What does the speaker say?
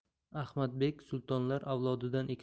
ahmadbek sultonlar avlodidan ekanini